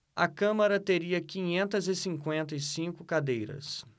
a câmara teria quinhentas e cinquenta e cinco cadeiras